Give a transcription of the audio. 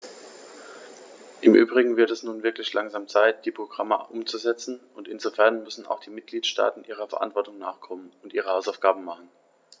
Im übrigen wird es nun wirklich langsam Zeit, die Programme umzusetzen, und insofern müssen auch die Mitgliedstaaten ihrer Verantwortung nachkommen und ihre Hausaufgaben machen.